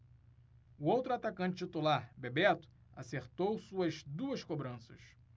o outro atacante titular bebeto acertou suas duas cobranças